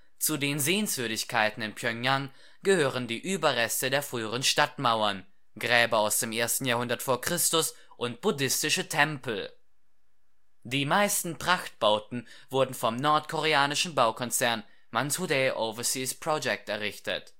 Zu den Sehenswürdigkeiten in Pjöngjang gehören die Überreste der früheren Stadtmauern, Gräber aus dem 1. Jahrhundert v. Chr. und buddhistische Tempel. Die meisten Prachtbauten wurden vom nordkoreanischen Baukonzern Mansudae Overseas Projects errichtet